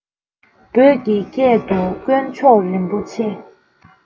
བོད ཀྱི སྐད དུ དཀོན མཆོག རིན པོ ཆེ